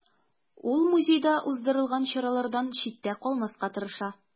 Ул музейда уздырылган чаралардан читтә калмаска тырыша.